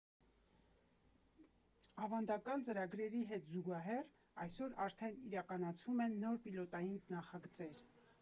Ավանդական ծրագրերի հետ զուգահեռ այսօր արդեն իրականացվում են նոր պիլոտային նախագծեր։